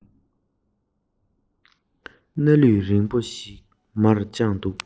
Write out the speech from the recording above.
སྣ ལུད རིང པོ ཞིག མར དཔྱངས འདུག